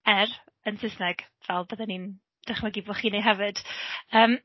Er, yn Saesneg, fel bydden ni'n dychmygu bod chi'n wneud hefyd yym.